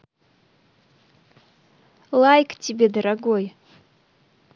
лайк тебе дорогой